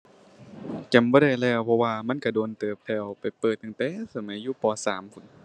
จำบ่ได้แล้ว เพราะว่ามันก็โดนเติบแล้ว ไปเปิดตั้งแต่สมัยอยู่ ป. สามพู้น